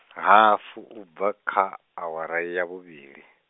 hafu ubva kha, awara ya vhuvhili.